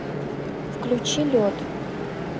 включи лед